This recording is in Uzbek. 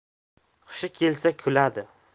hushi kelsa kuladi